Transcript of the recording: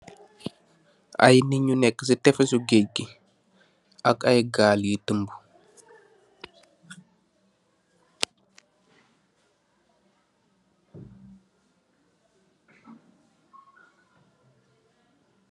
Aye ninyu nek si tefesu gaij gi, ak aye gaal yii taembu.